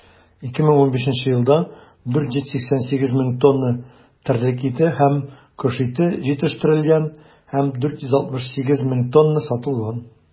2015 елда 488 мең тонна терлек ите һәм кош ите җитештерелгән һәм 468 мең тонна сатылган.